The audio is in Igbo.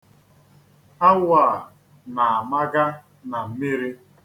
Awọ a na-amaga na mmiri.